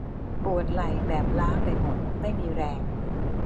ปวดไหล่แบบล้าไปหมดไม่มีแรง